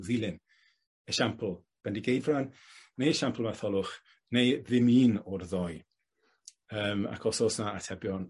ddilyn esiampl Bendigeidfran ne' siampl Matholwch, neu ddim un o'r ddou? Yym ac os o's 'na atebion